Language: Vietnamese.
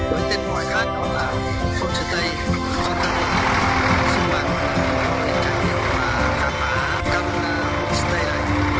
với tên gọi khác là homestay container xin mời mọi người cùng tôi trải nghiệm và khám phá căn homestay này